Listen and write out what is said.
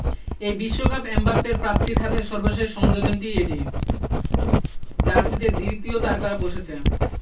এই বিশ্বকাপ এমবাপ্পের প্রাপ্তির খাতায় সর্বশেষ সংযোজনই এটি জার্সিতে দ্বিতীয় তারকা বসেছে